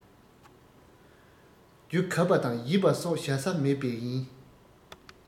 རྒྱུ གབ པ དང ཡིབ པ སོགས བྱ ས མེད པས ཡིན